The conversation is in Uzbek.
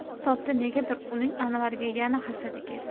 shu topda negadir uning anvarga yana hasadi keldi